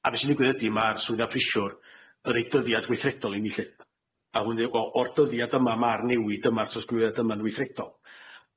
A be' sy'n digwydd ydi ma'r swyddfa prisiwr yn roi dyddiad gweithredol i ni lly, a hwnnw o o'r dyddiad yma ma'r newid yma'r trosglwyddiad yma'n weithredol.